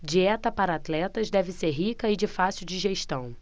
dieta para atletas deve ser rica e de fácil digestão